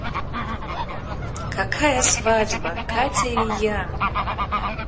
какая свадьба катя и я